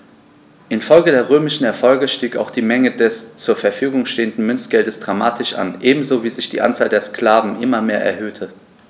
Infolge der römischen Erfolge stieg auch die Menge des zur Verfügung stehenden Münzgeldes dramatisch an, ebenso wie sich die Anzahl der Sklaven immer mehr erhöhte.